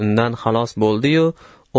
undan xalos bo'ldi yu